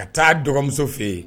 Ka taa dɔgɔmuso fɛ yen